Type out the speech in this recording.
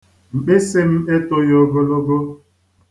Mkpịsị m etoghi ogologo.